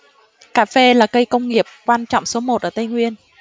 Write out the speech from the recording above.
cà phê là cây công nghiệp quan trọng số một ở tây nguyên